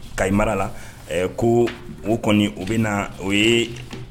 Ka mara la ko o kɔni o bɛ na o ye